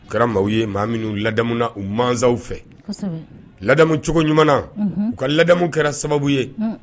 Kɛra maaw ye maa minnu ladamu na u maw fɛ ladamu cogo ɲuman u ka ladamu kɛra sababu ye